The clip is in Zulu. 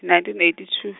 nineteen eighty two.